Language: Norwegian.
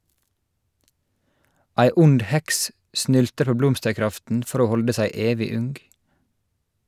Ei ond heks snylter på blomsterkraften for å holde seg evig ung.